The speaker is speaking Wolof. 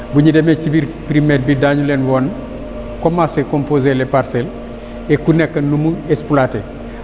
bu ñu demee ci biir primaire bi daañu leen leen wan comment c' est composé les parcelles et ku nekk nu muy exploité